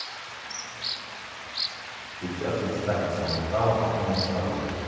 сейчас я старица мотала потом мы с тобой